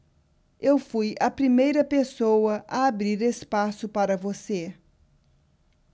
eu fui a primeira pessoa a abrir espaço para você